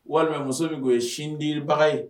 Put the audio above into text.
Walima muso bɛ tun ye sindibaga ye